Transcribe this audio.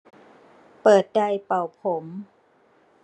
เปิดไดร์เป่าผม